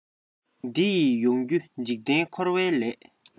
འདི ནི ཡོང རྒྱུ འཇིག རྟེན འཁོར བའི ལས